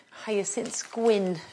hyasins gwyn